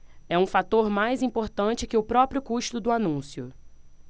é um fator mais importante que o próprio custo do anúncio